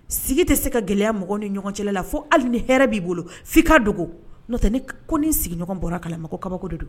Sigi tɛ se ka gɛlɛya mɔgɔw ni ɲɔgɔn cɛla la fo hali ni hɛrɛ b'i bolo fo i k'a dogo, n'o tɛ ni ko ni sigiɲɔgɔn bɔra a kalama ko kabako de don